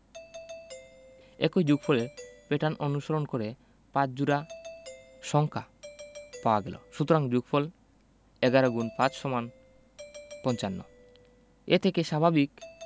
একই যোগফলের প্যাটার্ন অনুসরণ করে ৫ জোড়া সংখ্যা পাওয়া গেল সুতরাং যোগফল ১১*৫=৫৫ এ থেকে স্বাভাবিক